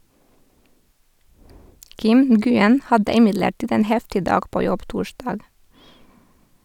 Kim Nguyen hadde imidlertid en heftig dag på jobb torsdag.